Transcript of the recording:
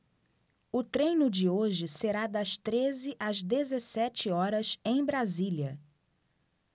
o treino de hoje será das treze às dezessete horas em brasília